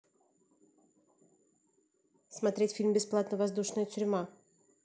смотреть фильм бесплатно воздушная тюрьма